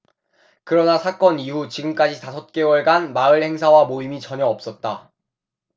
그러나 사건 이후 지금까지 다섯 개월여간 마을 행사와 모임이 전혀 없었다